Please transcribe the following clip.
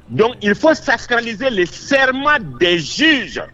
Don ifɔ saskaze de sema bɛn zez